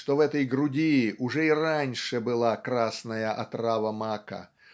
что в этой груди уже и раньше была красная отрава мака